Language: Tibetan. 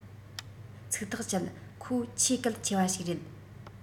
ཚིག ཐག བཅད ཁོ ཆེས གལ ཆེ བ ཞིག རེད